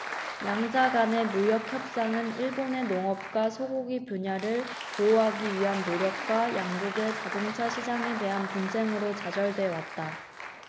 양자간의 무역협상은 일본의 농업과 소고기 분야를 보호하기 위한 노력과 양국의 자동차 시장에 대한 분쟁으로 좌절돼왔다